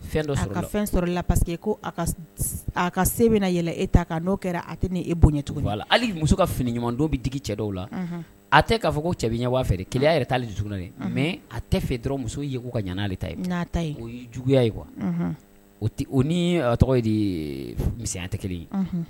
Dɔ ka fɛn sɔrɔ la pa que ko a ka se bɛna yɛlɛ e t'a n'o kɛra a tɛ ni e bonya ɲɛ tugun hali muso ka fini ɲumanɲuman don bɛ diigi cɛ dɔw la a tɛ k'a fɔ ko cɛ ɲɛ waa fɛ keya yɛrɛ t'aleugun mɛ a tɛ fɛ dɔrɔn muso ye k' ka ɲanali ta ye n'a ta yen o juguya ye wa o ni tɔgɔ ye de ye miya tɛ kelen ye